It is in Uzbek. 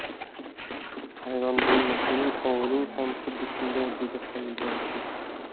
hayron bo'lma sening ovuling ham xuddi shunday dedi haydovchi